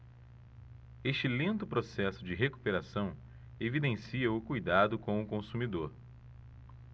este lento processo de recuperação evidencia o cuidado com o consumidor